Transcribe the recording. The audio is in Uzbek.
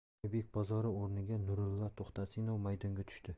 oybek bozorov o'rniga nurillo to'xtasinov maydonga tushdi